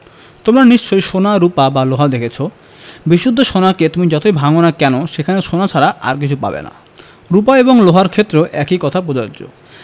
তোমরা নিশ্চয় সোনা রুপা বা লোহা দেখেছ বিশুদ্ধ সোনাকে তুমি যতই ভাঙ না কেন সেখানে সোনা ছাড়া আর কিছু পাবে না রুপা এবং লোহার ক্ষেত্রেও একই কথা প্রযোজ্য